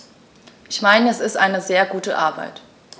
Ich meine, es ist eine sehr gute Arbeit.